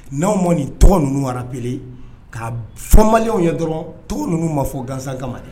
Ni anw kɔni nin tɔgɔ ninnu warabele'a somaw ye dɔrɔn to ninnu ma fɔ gansansagama dɛ